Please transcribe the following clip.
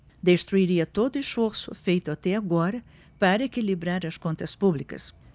destruiria todo esforço feito até agora para equilibrar as contas públicas